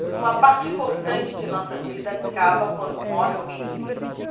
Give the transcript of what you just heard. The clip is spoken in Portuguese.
uma parte importante da nossa vida acaba quando morre alguém querido